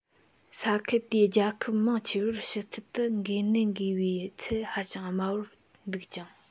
ས ཁུལ དེའི རྒྱལ ཁབ མང ཆེ བར ཕྱི ཚུལ དུ འགོས ནད འགོས པའི ཚད ཧ ཅང དམའ བར འདུག ཀྱང